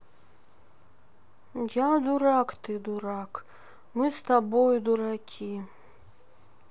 я дурак ты дурак мы с тобой дураки